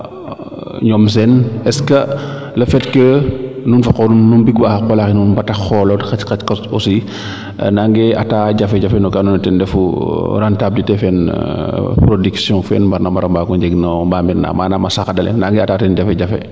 ñoom seen est ce que le faite que nuun fa qoox nuun nu mbing wa xa qola xa nuun bata xolood qac qac aussi naange ata jafe jafe no ke ando nae ten refu rentabliter fe production fe de mbarna mbaago njeng no mbaamir na maanam na saxadale naange ata teen jafe jafe